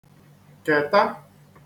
kèta